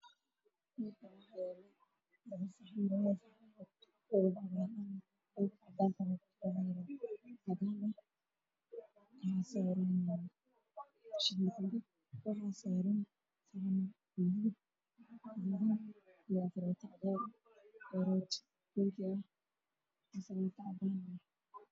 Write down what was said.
Meshaan waxaa yaalo labo saxan mid ka soo horeyo midab kiisu waa cadaan